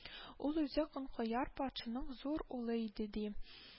Ул үзе Канкояр патшаның зур улы иде, ди